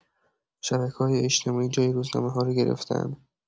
شبکه‌های اجتماعی جای روزنامه‌ها رو گرفتن.